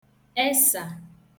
esà